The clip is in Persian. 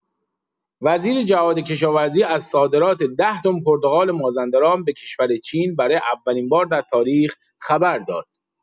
وزیر جهادکشاورزی از صادرات ۱۰ تن پرتقال مازندران به کشور چین برای اولین بار در تاریخ خبر داد.